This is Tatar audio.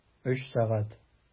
Өч сәгать!